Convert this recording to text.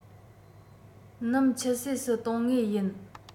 སྣུམ ཆུད ཟོས སུ གཏོང ངེས ཡིན